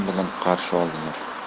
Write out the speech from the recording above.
bilan qarshi oldilar